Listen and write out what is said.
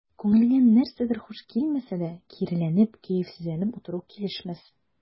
Күңелеңә нәрсәдер хуш килмәсә дә, киреләнеп, кәефсезләнеп утыру килешмәс.